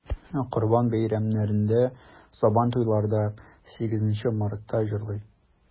Корбан бәйрәмнәрендә, Сабантуйларда, 8 Мартта җырлый.